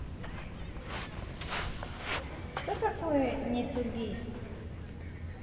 что такое не 2gis